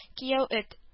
Кияү-эт